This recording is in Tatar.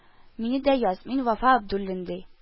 Мине дә яз, мин Вафа Абдуллин, ди